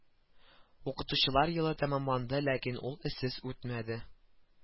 Укытучылар елы тәмамланды ләкин ул эзсез үтмәде